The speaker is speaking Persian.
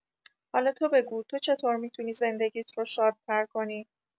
حالا تو بگو، تو چطور می‌تونی زندگیت رو شادتر کنی؟